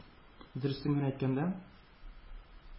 Дөресен генә әйткәндә,